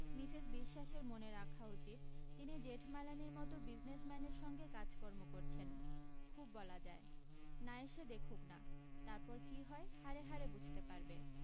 Mrs বিশ্বাসের মনে রাখা উচিত তিনি জেঠমালানির মতো বিজনেসম্যানের সঙ্গে কাজকর্ম করছেন খুব বলা যায় না এসে দেখুক না তারপর কী হয় হাড়ে হাড়ে বুঝতে পারবে